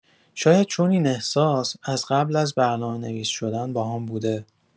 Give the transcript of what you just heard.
شاید چون این احساس از قبل از برنامه‌نویس شدن باهام بوده.